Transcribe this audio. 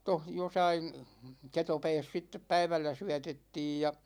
tuossa jossakin ketopäässä sitten päivällä syötettiin ja